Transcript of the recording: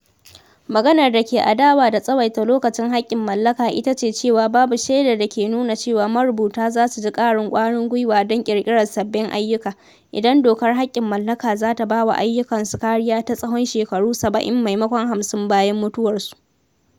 Maganar da ke adawa da tsawaita lokacin haƙƙin mallaka ita ce cewa babu shaidar da ke nuna cewa marubuta za su ji ƙarin ƙwarin gwiwa don ƙirƙirar sabbin ayyuka, idan dokar haƙƙin mallaka zata bawa ayyukan su kariya ta tsawon shekaru 70 maimakon 50 bayan mutuwarsu.